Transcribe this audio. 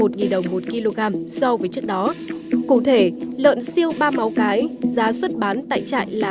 một nghìn đồng một ki lô gam so với trước đó cụ thể lợn siêu ba móng cái giá xuất bán tại trại là